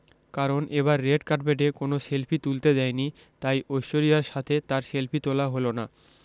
কারণ এবার রেড কার্পেটে কোনো সেলফি তুলতে দেয়নি তাই ঐশ্বরিয়ার সাথে তার সেলফি তোলা হলো না